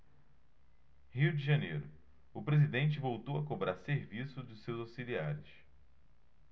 rio de janeiro o presidente voltou a cobrar serviço de seus auxiliares